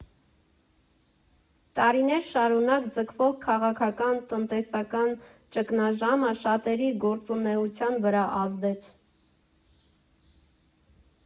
Տարիներ շարունակ ձգվող քաղաքական, տնտեսական ճգնաժամը շատերի գործունեության վրա ազդեց։